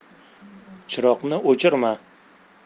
chiroqni o'chirmadi